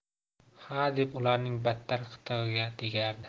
xa deb ularning battar qitig'iga tegardi